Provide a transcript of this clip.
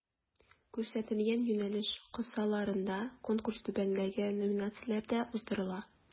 Күрсәтелгән юнәлеш кысаларында Конкурс түбәндәге номинацияләрдә уздырыла: